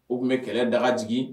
U tun bɛ kɛlɛ dagaj